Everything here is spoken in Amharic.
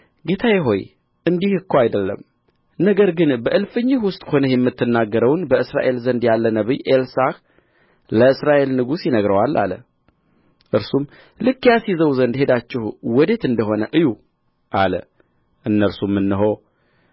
ጌታዬ ሆይ እንዲህ እኮ አይደለም ነገር ግን በእልፍኝህ ውስጥ ሆነህ የምትናገረውን በእስራኤል ዘንድ ያለ ነቢይ ኤልሳዕ ለእስራኤል ንጉሥ ይነግረዋል አለ እርሱም ልኬ አስይዘው ዘንድ ሄዳችሁ ወዴት እንደ ሆነ እዩ አለ እነርሱም እነሆ